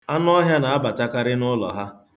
Anụ ọhịa na-abatakarị n'ụlọ ha.